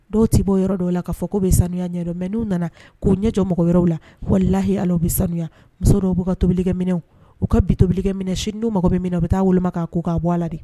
Dɔw ti bɔ yɔrɔ dɔw la ka fɔ ku bi sanuya ɲɛdɔn. Mais nu nana ku ɲɛ jɔ mɔgɔ wɛrɛw la . Walalahi a. Ala u bi sanuya . Muso dɔw bu ka tobili kɛ minɛnw, u ka bi tobili kɛ minɛnw sini nu mago bi min na u bi taa woloma ka ko ka bɔ a la de.